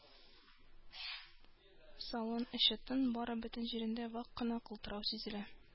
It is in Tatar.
Салон эче тын, бары бөтен җирендә вак кына калтырау сизелә